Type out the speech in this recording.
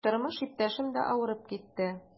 Тормыш иптәшем дә авырып китте.